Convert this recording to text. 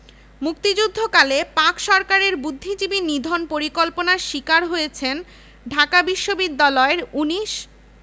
লীলা নাগের ১৯২১ সালে এম.এ কোর্সে যোগদান অথবা ১৯৩৫ সালে করুণাকণা গুপ্তের মহিলা শিক্ষক হিসেবে নিয়োগকে সেই সময়ে সাহসী পদক্ষেপ